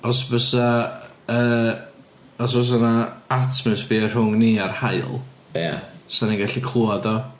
Os fysa yy os fysa 'na atmosffer rhwng ni a'r haul... Ia. ...'San ni'n gallu clywed o.